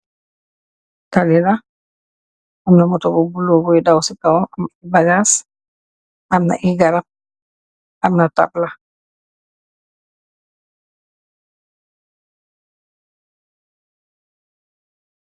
Tali la amna Motobu bulóo buy daw ci kaw, am ay bagaas amna ey garab, amna tablaa